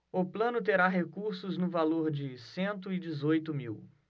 o plano terá recursos no valor de cento e dezoito mil